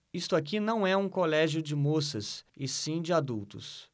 isto aqui não é um colégio de moças e sim de adultos